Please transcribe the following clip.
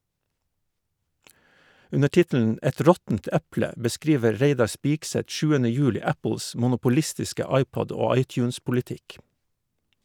Under tittelen "Et råttent eple" beskriver Reidar Spigseth 7. juli Apples monopolistiske iPod- og iTunes-politikk.